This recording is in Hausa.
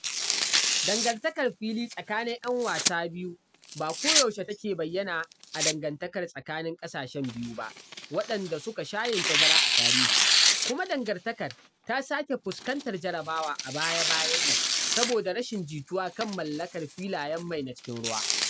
Dangantakar fili tsakanin ‘yan wasa biyu ba koyaushe take bayyana a dangantakar tsakanin ƙasashen biyu ba waɗanda suka sha yin tazara a tarihi, kuma dangantakar ta sake fuskantar jarrabawa a baya-bayan nan saboda rashin jituwa kan mallakar filayen mai na cikin ruwa.